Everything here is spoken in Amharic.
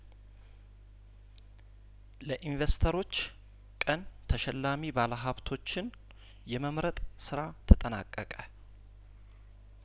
ለኢንቨስተሮች ቀን ተሸላሚ ባለሀብቶችን የመምረጥ ስራ ተጠናቀቀ